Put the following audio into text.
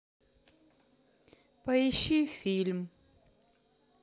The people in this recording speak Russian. поищи фильм